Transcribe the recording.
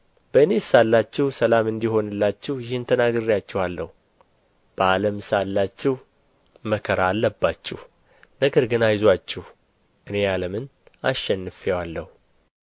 በእኔ ሳላችሁ ሰላም እንዲሆንላችሁ ይህን ተናግሬአችኋለሁ በዓለም ሳላችሁ መከራ አለባችሁ ነገር ግን አይዞአችሁ እኔ ዓለምን አሸንፌዋለሁ